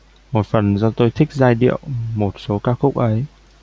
một phần do tôi thích giai điệu một số ca khúc ấy